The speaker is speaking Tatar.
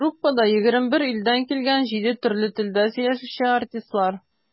Труппада - 21 илдән килгән, җиде төрле телдә сөйләшүче артистлар.